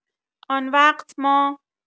آنوقت ما..